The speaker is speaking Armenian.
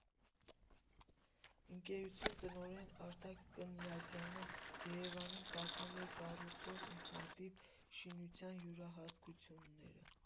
Ընկերություն տնօրեն Արտակ Կնյազյանը ԵՐԵՎԱՆին պատմել է կառուցվող ինքնատիպ շինության յուրահատկությունները։